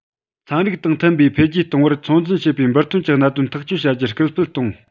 ཚན རིག དང མཐུན པའི འཕེལ རྒྱས གཏོང བར ཚོད འཛིན བྱེད པའི འབུར ཐོན གྱི གནད དོན ཐག གཅོད བྱ རྒྱུར སྐུལ སྤེལ གཏོང